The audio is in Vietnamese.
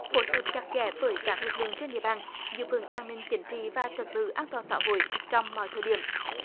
phối hợp chặt chẽ với các lực lượng trên địa bàn giữ vững an ninh chính trị và trật tự an toàn xã hội trong mọi thời điểm